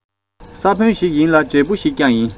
ས བོན ཞིག ཡིན ལ འབྲས བུ ཞིག ཀྱང ཡིན